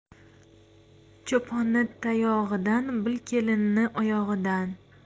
cho'ponni tayog'idan bil kelinni oyog'idan